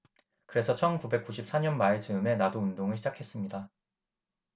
그래서 천 구백 구십 사 년 말 즈음에 나도 운동을 시작했습니다